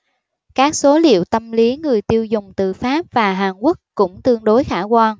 các số liệu tâm lý người tiêu dùng từ pháp và hàn quốc cũng tương đối khả quan